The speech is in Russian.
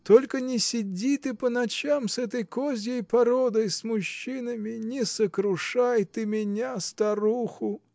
только не сиди ты по ночам с этой козьей породой, с мужчинами не сокрушай ты меня, старуху!